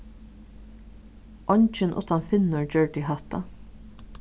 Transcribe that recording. eingin uttan finnur gjørdi hatta